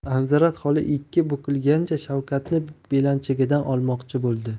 anzirat xola ikki bukilgancha shavkatni belanchakdan olmoqchi bo'ldi